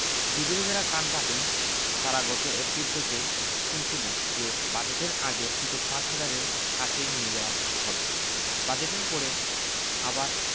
গুজবে যাঁরা কান পাতেন তাঁরা গত এপ্রিল থেকে শুনছিলেন যে বাজেটের আগে সূচক ৫ হাজারের কাছে নিয়ে যাওয়া হবে বাজেটের পরে আবার